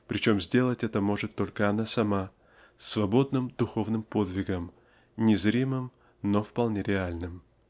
причем сделать это может только она сама свободным духовным подвигом незримым но вполне реальным.